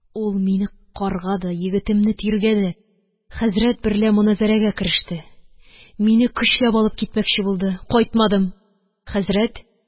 Ул мине каргады, егетемне тиргәде, хәзрәт берлә моназарәгә кереште. Мине көчләп алып китмәкче булды, кайтмадым. Хәзрәт